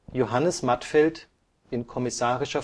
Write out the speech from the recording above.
Johannes Mattfeld (kommissarisch